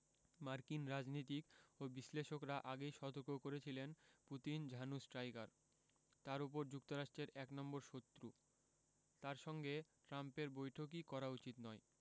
মার্কিন রাজনীতিক ও বিশ্লেষকেরা আগেই সতর্ক করেছিলেন পুতিন ঝানু স্ট্রাইকার তার ওপর যুক্তরাষ্ট্রের এক নম্বর শত্রু তাঁর সঙ্গে ট্রাম্পের বৈঠকই করা উচিত নয়